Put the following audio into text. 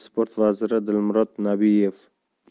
sport vaziri dilmurod nabiyev